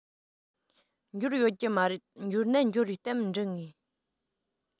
འབྱོར ཡོད ཀྱི མ རེད འབྱོར ན འབྱོར བའི གཏམ འབྲི ངེས